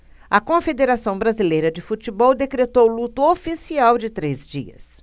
a confederação brasileira de futebol decretou luto oficial de três dias